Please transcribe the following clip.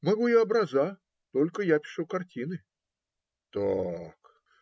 - Могу и образа; только я пишу картины. - Так.